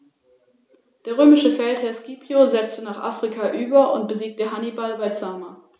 Felsnester in Schottland maßen im Mittel 1,33 m x 1,06 m und waren 0,79 m hoch, Baumhorste in Schweden hatten im Mittel einen Durchmesser von 1,4 m und waren 1,1 m hoch.